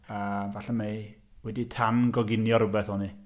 A falle mai wedi tan-goginio rywbeth o'n i.